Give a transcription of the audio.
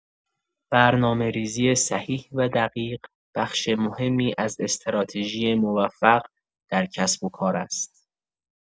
برنامه‌ریزی صحیح و دقیق، بخش مهمی از استراتژی موفق در کسب‌وکار است.